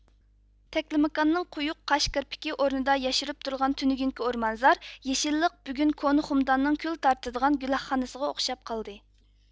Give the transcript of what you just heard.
تەكلىماكاننىڭ قويۇق قاش كىرپىكى ئورنىدا ياشىرىپ تۇرغان تۈنۈگۈنكى ئورمانزار يېشىللىق بۈگۈن كونا خۇمداننىڭ كۈل تارتىدىغان گۈلەخخانىسىغا ئوخشاپ قالدى